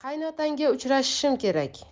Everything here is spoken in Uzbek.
qaynotangga uchrashishim kerak